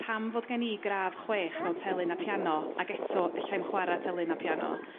pam fod gen i gradd chwech mewn telyn a piano ag eto ellai'm chwara telyn a piano?